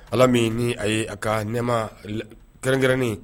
Ala min ni a ye a ka nɛma kɛrɛnkɛrɛnnen